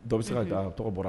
Dɔw bɛ se ka tɔgɔ bɔra